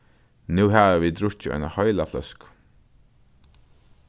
nú hava vit drukkið eina heila fløsku